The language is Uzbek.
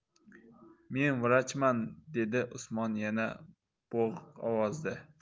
men vrachman dedi usmon yana bo'g'iq ovozda